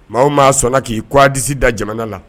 Maaw maa sɔnna k'i k'a disi da jamana la